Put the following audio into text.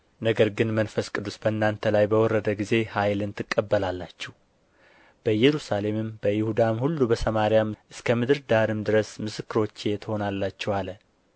ነገር ግን መንፈስ ቅዱስ በእናንተ ላይ በወረደ ጊዜ ኃይልን ትቀበላላችሁ በኢየሩሳሌምም በይሁዳም ሁሉ በሰማርያም እስከ ምድር ዳርም ድረስ ምስክሮቼ ትሆናላችሁ አለ